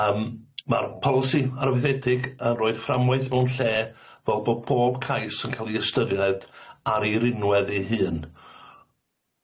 Yym ma'r polisi arwyddedig yn roid fframwaith mewn lle fel bo' bob cais yn ca'l i ystyried ar ei rinwedd ei hun.